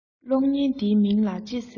གློག བརྙན འདིའི མིང ལ ཅི ཟེར